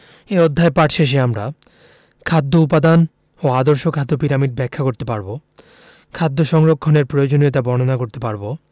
এ অধ্যায় পাঠ শেষে আমরা খাদ্য উপাদান ও আদর্শ খাদ্য পিরামিড ব্যাখ্যা করতে পারব খাদ্য সংরক্ষণের প্রয়োজনীয়তা বর্ণনা করতে পারব